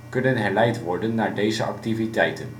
kunnen herleid worden naar deze activiteiten